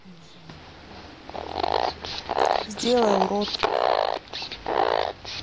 сделай урод